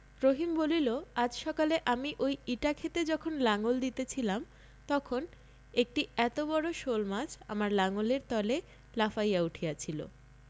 রহিম বলিল আজ সকালে আমি ঐ ইটা ক্ষেতে যখন লাঙল দিতেছিলাম তখন একটি এত বড় শোলমাছ আমার লাঙলের তলে লাফাইয়া উঠিয়াছিল